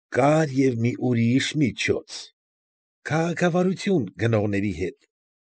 Կար և մի ուրիշ միջոց. քաղաքավարություն գնողների հետ։